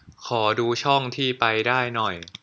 ขอดูช่องที่ไปได้หน่อย